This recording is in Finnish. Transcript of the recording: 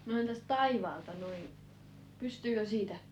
no entäs taivaalta noin pystyykö siitä